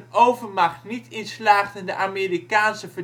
overmacht, niet in slaagden de Amerikaanse